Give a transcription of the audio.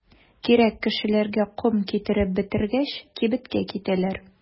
Кирәк кешеләргә ком китереп бетергәч, кибеткә китәләр.